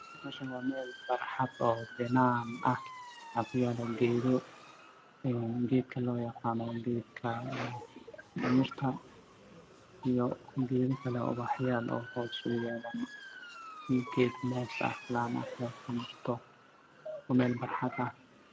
Meeshaan waa me esha waxaa ku yaalla daba qaado dheer waxa uu leeyahay mu k ama i c waxaa ka maxay banaanka geeda cagaaran banaanka waa barcad